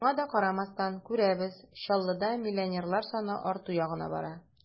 Шуңа да карамастан, күрәбез: Чаллыда миллионерлар саны арту ягына бара.